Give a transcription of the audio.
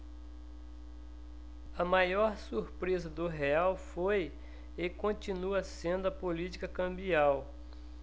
a maior surpresa do real foi e continua sendo a política cambial